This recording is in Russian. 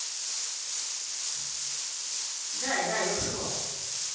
дай дай ушел